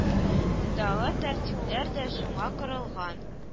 Мондагы тәртипләр дә шуңа корылган